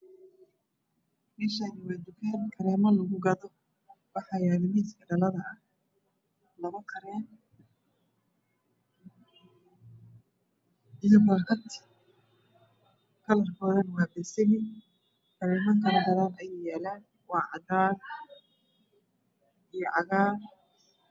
Meshan waa tukankaremo lagugadowaxa yaalo miski dhalada ah Labokarem iyo warqad warqad kalarkodana waabeseli kalaran kalabadan yalan waa cadan iyo cagaar